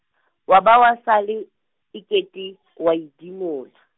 wa ba wa sale, e kete, o a edimola.